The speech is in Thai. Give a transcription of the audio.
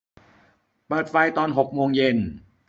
เปิดไฟตอนหกโมงเย็น